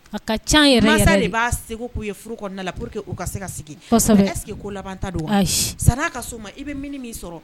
A ka ca yɛrɛ yɛrɛ de, mansa de b'a seko k'u ye furu kɔnɔna na pour que u ka se sigi, mais estce que ko labanta don wa? Ayi, san'a ka se o maque ka se ka ko labanta don sani ka' ma i bɛ minnin min sɔrɔ